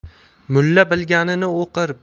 mulla bilganin o'qir